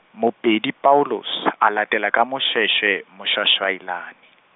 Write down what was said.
Mopeli Paulus, a latela ka Moshoeshoe, Moshoashoailane.